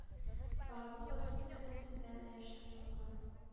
Барлыгы дүрт кенә сүздән оештырылган